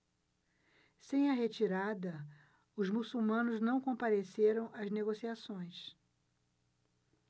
sem a retirada os muçulmanos não compareceram às negociações